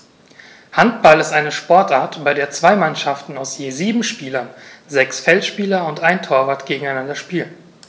Handball ist eine Sportart, bei der zwei Mannschaften aus je sieben Spielern (sechs Feldspieler und ein Torwart) gegeneinander spielen.